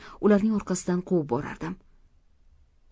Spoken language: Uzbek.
ularning orqasidan quvib borardim